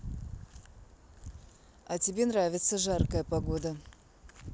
а тебе нравится жаркая погода